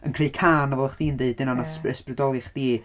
Yn creu cân, a fel oeddech chdi'n deud dyna... Ie. ...Wnaeth ysbrydoli chdi...